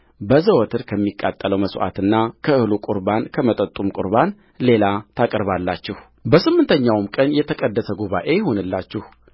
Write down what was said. በዘወትር ከሚቃጠለው መሥዋዕትና ከእህሉ ቍርባን ከመጠጡም ቍርባን ሌላ ታቀርባላችሁበስምንተኛውም ቀን የተቀደሰ ጉባኤ ይሁንላችሁ